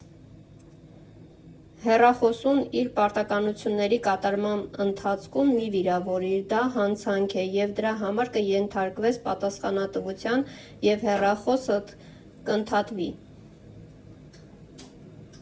Հեռախոսուհուն, իր պարտականությունների կատարման ընթացքում մի՛ վիրավորիր, դա հանցանք է և դրա համար կենթարկվես պատասխանատվության և հեռախոսդ կընդհատվի։